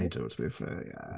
I do, to be fair, yeah.